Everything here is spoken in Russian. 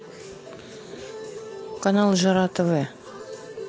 канал жара тв